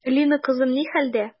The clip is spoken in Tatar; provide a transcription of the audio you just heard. Лина кызым ни хәлдә?